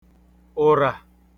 ụ̀rà